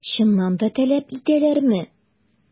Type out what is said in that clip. Чыннан да таләп итәләрме?